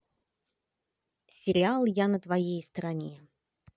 сериал я на твоей стороне